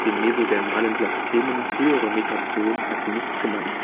mesodermalen Blastemen höherer Metazoen hat sie nichts gemein